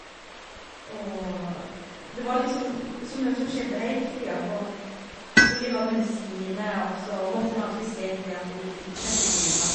Og det var liksom så mye som skjedde heile tida, for skulle de ha medisiner, og så måtte en alltid se til at de fikk medisinene.